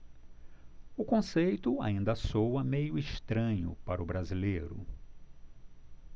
o conceito ainda soa meio estranho para o brasileiro